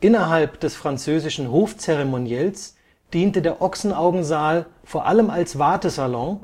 Innerhalb des französischen Hofzeremoniells diente der Ochsenaugensaal vor allem als Wartesalon,